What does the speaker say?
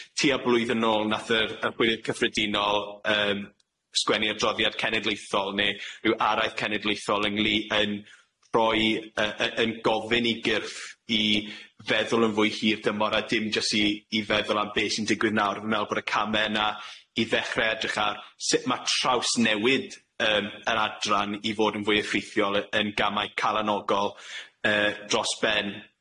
Tua blwyddyn nôl nath yr y bwyddiad cyffredinol yym sgwennu adroddiad cenedlaethol ne' ryw araith cenedlaethol ynglŷ- yn roi yy yy yn gofyn i gyrff i feddwl yn fwy hir dymor a dim jys i i feddwl am be sy'n digwydd nawr me'wl bod y came na i ddechre edrych ar sut ma' trawsnewid yym yr adran i fod yn fwy effeithiol y- yn gamau calanogol yy dros ben.